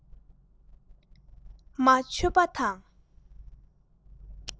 མ ཆོད པ དང